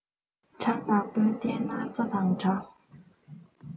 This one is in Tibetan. དགྲ ནག པོའི ཐད ན རྩྭ དང འདྲ